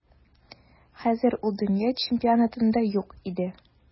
Хәзер ул дөнья чемпионатында юк иде.